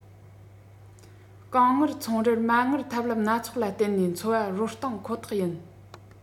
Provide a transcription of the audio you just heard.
རྐང དངུལ ཚོང རར མ དངུལ ཐབས ལམ སྣ ཚོགས ལ བརྟེན ནས འཚོ བ རོལ སྟངས ཁོ ཐག ཡིན